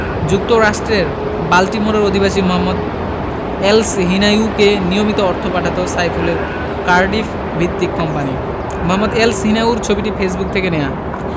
যুক্তরাষ্ট্রের বাল্টিমোরের অধিবাসী মোহাম্মদ এলসহিনাইউকে নিয়মিত অর্থ পাঠাত সাইফুলের কার্ডিফভিত্তিক কোম্পানি মোহাম্মদ এলসহিনাউর ছবিটি ফেসবুক থেকে নেওয়া